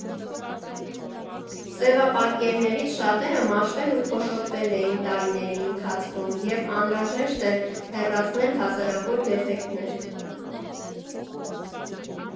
Սևապատկերներից շատերը մաշվել ու փոշոտվել էին տարիների ընթացքում և անհրաժեշտ էր հեռացնել հազարավոր դեֆեկտներ։